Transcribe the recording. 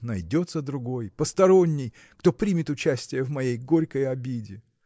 найдется другой, посторонний, кто примет участие в моей горькой обиде.